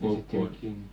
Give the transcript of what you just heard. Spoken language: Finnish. ja sitten jäi kiinni